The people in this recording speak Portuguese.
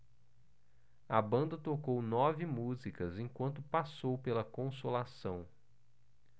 a banda tocou nove músicas enquanto passou pela consolação